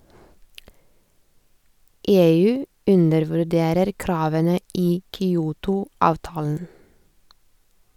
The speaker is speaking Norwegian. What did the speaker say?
- EU undervurderer kravene i Kyoto- avtalen.